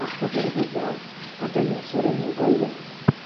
a chyferfydda a dynes o'r enw Goewin.